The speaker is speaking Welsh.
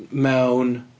Mewn...